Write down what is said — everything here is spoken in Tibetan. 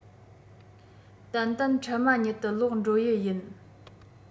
ཏན ཏན འཕྲལ མ ཉིད དུ ལོག འགྲོ ཡི ཡིན